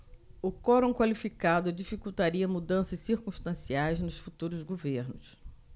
o quorum qualificado dificultaria mudanças circunstanciais nos futuros governos